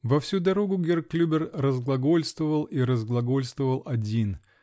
Во всю дорогу герр Клюбер разглагольствовал. и разглагольствовал один